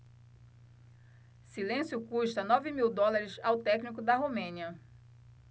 silêncio custa nove mil dólares ao técnico da romênia